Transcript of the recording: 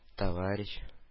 Товарищ